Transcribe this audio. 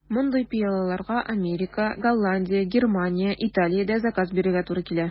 Мондый пыялаларга Америка, Голландия, Германия, Италиядә заказ бирергә туры килә.